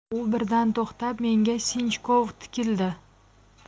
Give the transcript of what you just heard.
u birdan to'xtab menga sinchkov tikildi